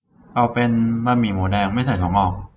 เอาเป็นบะหมี่หมูแดงไม่ใส่ถั่วงอก